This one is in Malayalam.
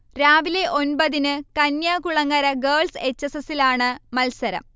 രാവിലെ ഒൻപതിന് കന്യാകുളങ്ങര ഗേൾസ് എച്ച് എസ് എസിലാണ് മത്സരം